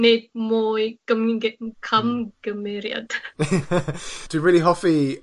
nid mwy camgymeriad. Dwi rili hoffi